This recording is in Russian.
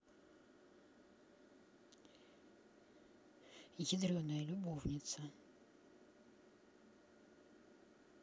ядреная любовница